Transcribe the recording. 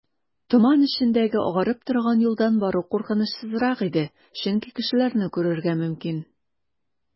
Томан эчендә агарып торган юлдан бару куркынычсызрак иде, чөнки кешеләрне күрергә мөмкин.